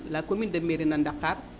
la commune de :frab Merina Ndakhaar